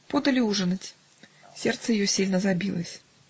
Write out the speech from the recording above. Подали ужинать; сердце ее сильно забилось.